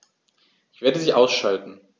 Ich werde sie ausschalten